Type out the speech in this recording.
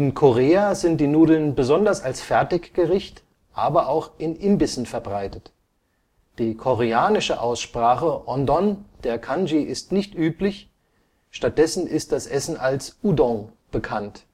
Korea sind die Nudeln besonders als Fertiggericht, aber auch in Imbissen verbreitet. Die koreanische Aussprache / ondon / der Kanji 饂飩 ist nicht üblich, stattdessen ist das Essen als Udong (우동) bekannt